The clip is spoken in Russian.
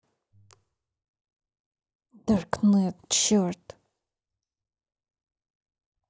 darknet черт